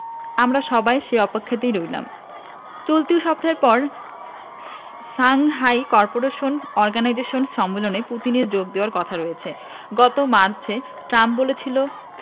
আমরা সবাই সে অপেক্ষাতেই রইলাম চলতি সপ্তাহের পরে সাংহাই করপোরেশন অর্গানাইজেশনের সম্মেলনে পুতিনের যোগ দেওয়ার কথা রয়েছে গত মার্চে ট্রাম্প বলেছিল